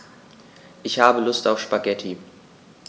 Ich habe Lust auf Spaghetti.